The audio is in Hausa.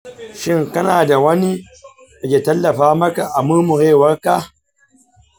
shin kana da wani da ke tallafa maka a murmurewarka?